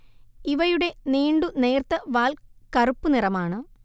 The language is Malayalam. ഇവയുടെ നീണ്ടു നേർത്ത വാൽ കറുപ്പു നിറമാണ്